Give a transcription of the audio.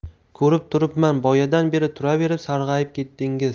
ko'rib turibman boyadan beri turaverib sarg'ayib ketdingiz